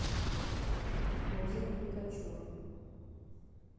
музыка пикачу